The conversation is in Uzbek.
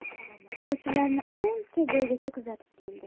sovchilarni ancha joygacha kuzatib keldi